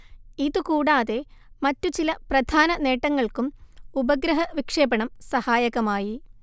ഇതുകൂടാതെ മറ്റു ചില പ്രധാന നേട്ടങ്ങൾക്കും ഉപഗ്രഹവിക്ഷേപണം സഹായകമായി